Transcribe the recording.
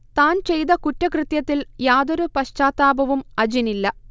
താൻ ചെയ്ത കുറ്റകൃത്യത്തിൽ യാതൊരു പശ്ചാത്താപവും അജിനില്ല